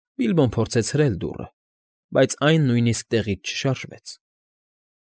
Բիլբոն փորձեց հրել դուռը, բայց այն նույնիսկ տեղից չշարժվեց։